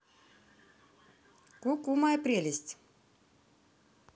ку ку моя прелесть